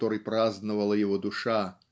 который праздновала его душа